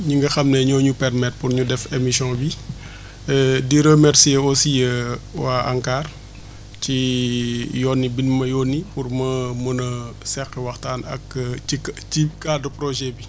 ñi nga xam ne ñoo ñu permettre pour ñu def émission bi di remercier aussi waa ANCAR ci yónni bi ñu ma yónni pour ma mën a seq waxtaan ak ci cadre projet bi